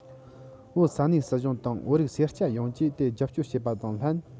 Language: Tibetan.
བོད ས གནས སྲིད གཞུང དང བོད རིགས སེར སྐྱ ཡོངས ཀྱིས དེར རྒྱབ སྐྱོར བྱེད པ དང ལྷན